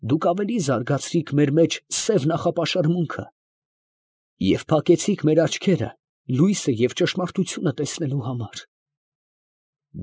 Դուք ավելի զարգացրիք մեր մեջ սև նախապաշարմունքը և փակեցիք մեր աչքերը լույսը և ճշմարտությունը տեսնելու համար։